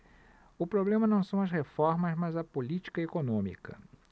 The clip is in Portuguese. o problema não são as reformas mas a política econômica